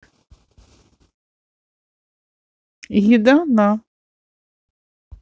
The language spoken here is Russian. еда на